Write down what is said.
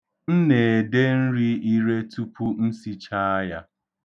M na-ede nri ire tupu m sichaa ya.